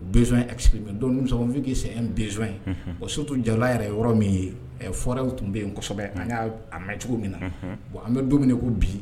Bɛson aseke donfin'i se n bɛzson ye o sotu ja yɛrɛ ye yɔrɔ min ye fɔraw tun bɛ yensɛbɛ kosɛbɛ an' a mɛncogo min na bon an bɛ dumuni min ko bi